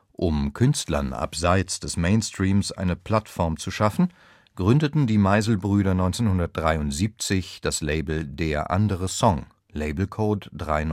Um Künstlern abseits des Mainstreams eine Plattform zu schaffen, gründeten die Meisel-Brüder 1973 das Label der andere song (Labelcode 3943